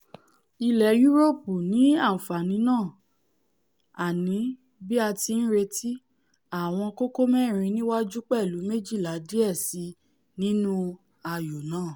Ilẹ̀ Yuroopu ní àǹfààní náà, àní bí a ti ńretí, àwọn kókó mẹ́rin níwájú pẹ̀lú méjìlà díẹ̀ síi nínú ayò náà.